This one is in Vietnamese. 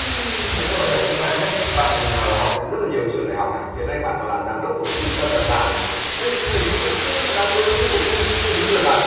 này tôi hỏi thật sự bạn gặp bạn nào là học để rất là nhiều trường đại học này hiện nay bạn còn làm giám đốc của một trung tâm đào tạo này mình cứ vẫn cứ đắm đuối với những cuộc thi hình như là bạn